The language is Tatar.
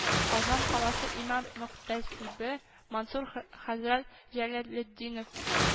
Казан каласы имам-мөхтәсибе Мансур хә хәзрәт Җәләлетдинов